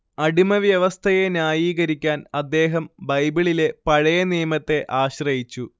അടിമവ്യവസ്ഥയെ ന്യായീകരിക്കാൻ അദ്ദേഹം ബൈബിളിലെ പഴയനിയമത്തെ ആശ്രയിച്ചു